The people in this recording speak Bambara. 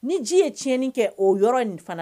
Ni ji ye tiɲɛɲɛnni kɛ o yɔrɔ nin fana